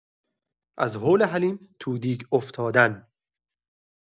از هول حلیم تو دیگ افتادن